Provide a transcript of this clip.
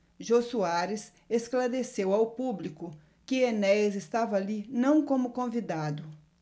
jô soares esclareceu ao público que enéas estava ali não como convidado